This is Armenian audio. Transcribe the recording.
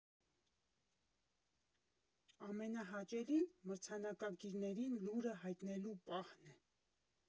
Ամենահաճելին մրցանակակիրներին լուրը հայտնելու պահն է։